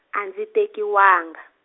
a dzi tekiwanga.